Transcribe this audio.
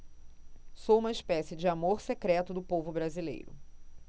sou uma espécie de amor secreto do povo brasileiro